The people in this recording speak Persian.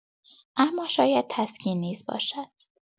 اما شاید تسکین نیز باشد.